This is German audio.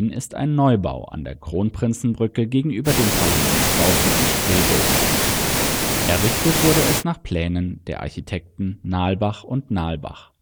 ist ein Neubau an der Kronprinzenbrücke gegenüber den Parlamentsbauten im Spreebogen, errichtet nach Plänen der Architekten „ Nalbach + Nalbach